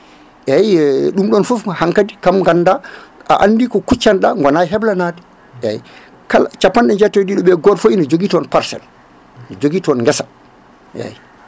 eyyi ɗum ɗon foof hankkadi kam ganda a andi ko kuccanɗa gona e heblanade eyyi kala capanɗe jeetato ɗiɗo e goto foof ina jogui toon parcelle ne jogui toon guesa eyyi